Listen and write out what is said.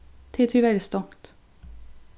tað er tíverri stongt